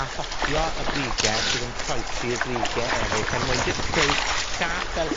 a thocio y brige sydd yn croesi y brige eryll er mwyn jyst creu siâp fel